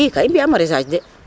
ii ka i mbi'aa maraichage de